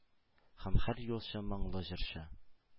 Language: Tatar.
Һәм һәр юлчы — моңлы җырчы